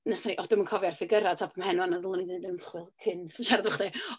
Wnaethon ni... o dwi'm yn cofio'r ffigyrau o top 'y mhen wan. A dylwn i 'di wneud ymchwil cyn siarad efo chdi.